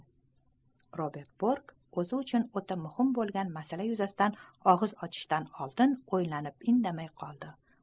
robert bork ozi uchun ota muhim bolgan masala yuzasidan ogiz ochishdan oldin oylanib indamay qoldi